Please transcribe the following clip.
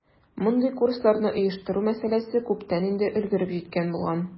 Мондый курсларны оештыру мәсьәләсе күптән инде өлгереп җиткән булган.